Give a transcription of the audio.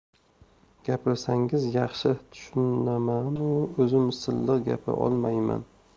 gapirsangiz yaxshi tushunamanu o'zim silliq gapira olmayman